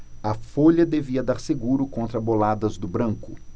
a folha devia dar seguro contra boladas do branco